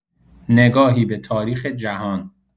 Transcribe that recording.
نگاهی به‌تاریخ جهان